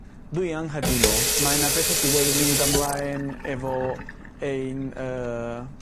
Dwi anghytu. Mae 'na betha sy wedi mynd ymlaen efo ein yy